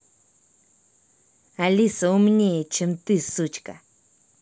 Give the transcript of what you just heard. алиса умнее чем ты сучка